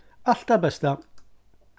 alt tað besta